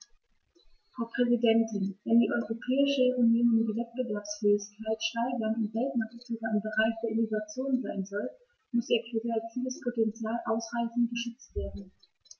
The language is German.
Frau Präsidentin, wenn die Europäische Union die Wettbewerbsfähigkeit steigern und Weltmarktführer im Bereich der Innovation sein soll, muss ihr kreatives Potential ausreichend geschützt werden.